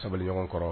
Ka sabali ɲɔgɔn kɔrɔ.